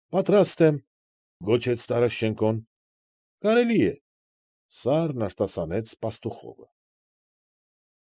Պատրաստ եմ,֊ գոչեց Տարաշչենկոն։ ֊ Կարելի է,֊ սառն արտասանեց Պաստուխովը։